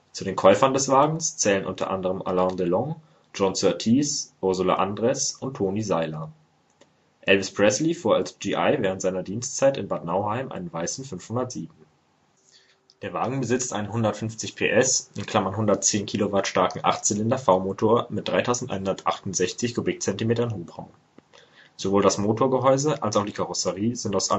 Zu den Käufern des Wagens zählen u. a. Alain Delon, John Surtees, Ursula Andress und Toni Sailer. Elvis Presley fuhr als GI während seiner Dienstzeit in Bad Nauheim einen weißen 507. Der Wagen besitzt einen 150 PS (110 kW) starken Achtzylinder-V-Motor mit 3.168 cm3 Hubraum. Sowohl das Motorgehäuse als auch die Karosserie sind aus Aluminium